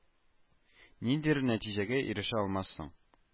Ниндидер нәтиҗәгә ирешә алмассың